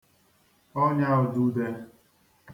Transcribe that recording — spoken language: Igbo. ọnyà ùdudē